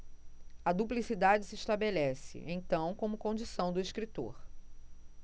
a duplicidade se estabelece então como condição do escritor